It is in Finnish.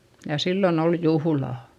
ja silloin oli juhla